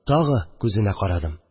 Тагы күзенә карадым